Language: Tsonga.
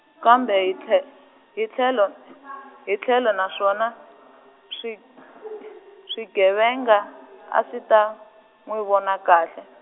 kambe hi tlhe-, hi tlhelo, hi tlhelo na swona, swig- swigevenga, a swi ta, n'wi vona kahle.